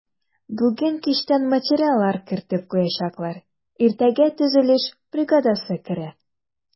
Бүген кичтән материаллар кертеп куячаклар, иртәгә төзелеш бригадасы керә.